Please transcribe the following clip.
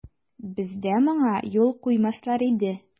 Бездә моңа юл куймаслар иде.